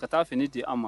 Ka taa fini di an ma